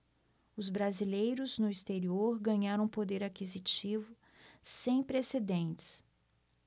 os brasileiros no exterior ganharam um poder aquisitivo sem precedentes